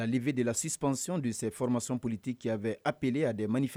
La levée de la suspension de ses formations politiques qui avaient appelées à des manif